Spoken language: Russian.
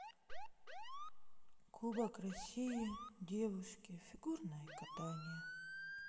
кубок россии девушки фигурное катание